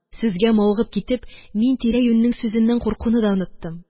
Сүзгә мавыгып китеп, мин тирә-юньнең сүзеннән куркуны да оныттым.